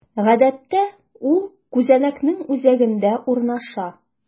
Гадәттә, ул күзәнәкнең үзәгендә урнаша.